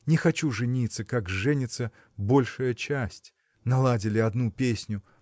Не хочу жениться, как женится большая часть наладили одну песню